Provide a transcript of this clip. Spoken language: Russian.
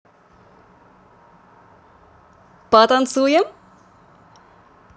потанцуем